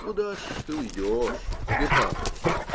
- Куда же ты уйдешь, Степаныч?